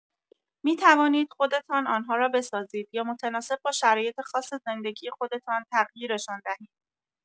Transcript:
می‌توانید خودتان آن‌ها را بسازید یا متناسب با شرایط خاص زندگی خودتان تغییرشان دهید.